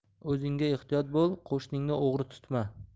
o'zingga ehtiyot bo'l qo'shningni o'g'ri tutma